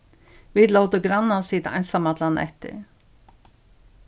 vit lótu grannan sita einsamallan eftir